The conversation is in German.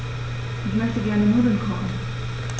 Ich möchte gerne Nudeln kochen.